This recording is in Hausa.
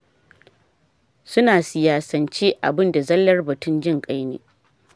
“Su na siyasance abun da zallan batun jin kai ne.”